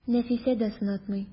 Нәфисә дә сынатмый.